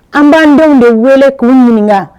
An b'an denw de wele k'u ɲininka